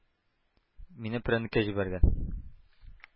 Мине перәннеккә җибәргән.